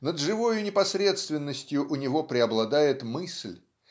над живою непосредственностью у него преобладает мысль